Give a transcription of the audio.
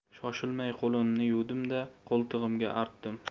shoshilmay qo'limni yuvdimda qo'ltigimga artdim